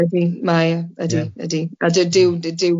Ydi mae e ydi ydi ydi a dy- dyw dyw dyw